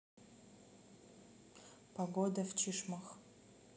погода в чишмах